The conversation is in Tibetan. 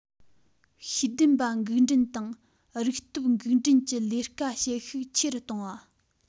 ཤེས ལྡན པ འགུག འདྲེན དང རིག སྟོབས འགུག འདྲེན གྱི ལས ཀ བྱེད ཤུགས ཆེ རུ གཏོང བ